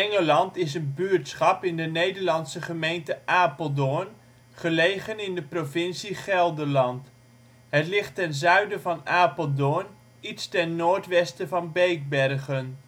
Engeland is een buurtschap in de Nederlandse gemeente Apeldoorn, gelegen in de provincie Gelderland. Het ligt ten zuiden van Apeldoorn iets ten noordwesten van Beekbergen